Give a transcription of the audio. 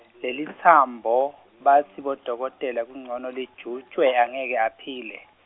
lelitsambo, batsi bodokotela kuncono lijutjwe angeke aphile.